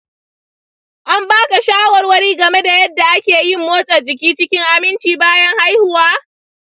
an ba ka shawarwari game da yadda ake yin motsa jiki cikin aminci bayan haihuwa?